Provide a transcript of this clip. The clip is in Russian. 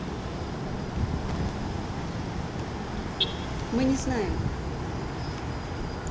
мы не знаем